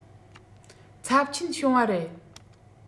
ཚབས ཆེན བྱུང བ རེད